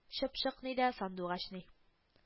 Чыпчык ни дә, сандугач ни